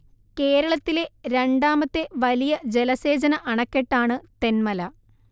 കേരളത്തിലെ രണ്ടാമത്തെ വലിയ ജലസേചന അണക്കെട്ടാണ് തെന്മല